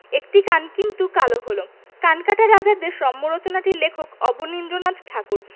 একটি কান কিন্তু কালো হল কানকাটা রাজার দেশ রম্যরচনাটির লেখক অবনীন্দ্রনাথ ঠাকুর